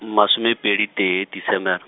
masomepedi tee Desemere.